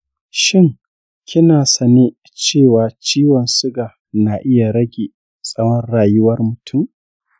shin kina sane cewa ciwon suga na iya rage tsawon rayuwar mutum?